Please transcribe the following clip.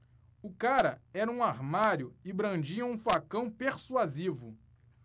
o cara era um armário e brandia um facão persuasivo